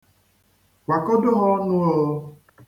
Kwakọdoo ha ọnụ oo!